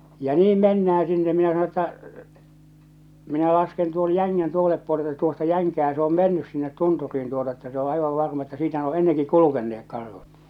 ja niin mennään sinne minä sanoin jotta minä lasken tuon jängän toiselle puolen että tuosta jänkää se on mennyt sinne tunturiin tuota että se on aivan varma että siitä ne on ennenkin kulkeneet karhut